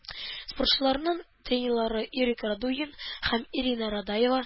Спортчыларның тренерлары - Ирек Радугин һәм Ирина Радаева.